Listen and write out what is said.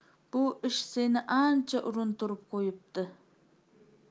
bu ish seni ancha urintirib qo'yibdi